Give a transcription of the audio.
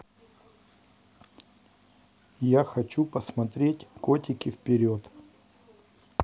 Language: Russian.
я хочу посмотреть котики вперед